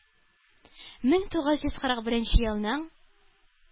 Мең тугыз йөз кырык беренче елның